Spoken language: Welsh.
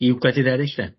i'w gwledydd eryll 'de.